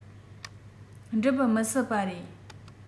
འགྲུབ མི སྲིད པ རེད